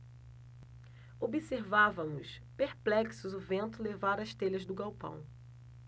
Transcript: observávamos perplexos o vento levar as telhas do galpão